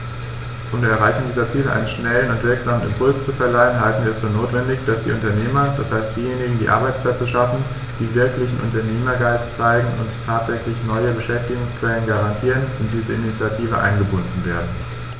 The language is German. Um der Erreichung dieser Ziele einen schnellen und wirksamen Impuls zu verleihen, halten wir es für notwendig, dass die Unternehmer, das heißt diejenigen, die Arbeitsplätze schaffen, die wirklichen Unternehmergeist zeigen und tatsächlich neue Beschäftigungsquellen garantieren, in diese Initiative eingebunden werden.